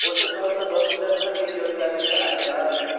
o'sha soatda boshimdan nima kechayotganligini anglamas